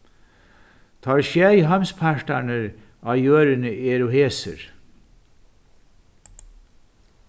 teir sjey heimspartarnir á jørðini eru hesir